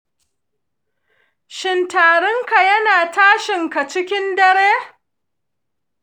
shin tarinka yana tashinka cikin dare?